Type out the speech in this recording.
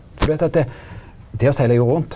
for du veit at det å segla jorda rundt.